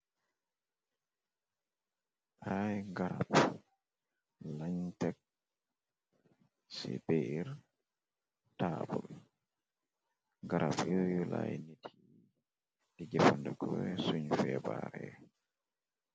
Aay garab lañ tek ci biir taab bi. Garab yuyulaay nit yi di jëfandeko suñu feebaaree.